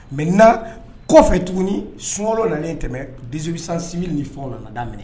Mɛ na kɔ kɔfɛ tuguni sun lalen tɛmɛ debisansibi ni fɛn la daminɛ